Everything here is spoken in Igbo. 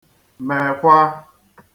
mèkwa